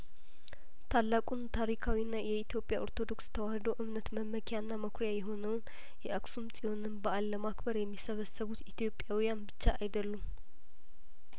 ታላቁን ታሪካዊና የኢትዮጵያ ኦርቶዶክስ ተዋህዶ እምነት መመኪያና መኩሪያ የሆነውን የአክሱም ጽዮንን በአል ለማክበር የሚሰበሰቡት ኢትዮጵያዊያን ብቻ አይደሉም